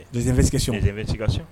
Des investigations, des investigations